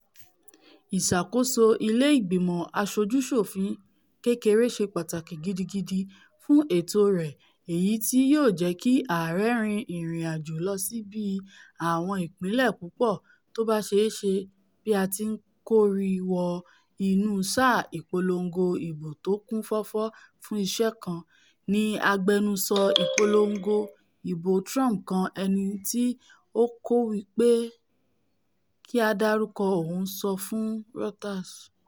Ìṣàkóso ilé Ìgbìmọ Aṣojú-ṣòfin kékeré ṣe pàtàkí gidigidi fún ètò rẹ̀ èyití yóò jẹ́kí ààrẹ rin ìrìn-àjò lọsí bíi àwọn ìpínlẹ̀ púpọ̀ tóbá ṣeé ṣe bí a tí ńkorí wọ inú sáà ìpolongo ìbò tókún fọ́fọ́ fún iṣẹ́ kan,'' ni agbẹnusọ ìpolongo ìbô Trump kan ẹnití ó kọ̀ wí pé kí a dárúkọ òun sọ fùn Reuters.